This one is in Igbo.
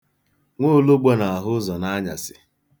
Nwoologbo na-ahụ ụzọ n'anyasị.